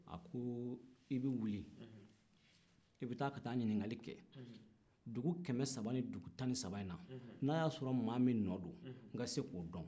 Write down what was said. a ko i bɛ wili i bɛ taa ɲininkali kɛ dugu kɛmɛ saba ani tan ni saba in na n'a y'a sɔrɔ maa min nɔ don n ka se k'o don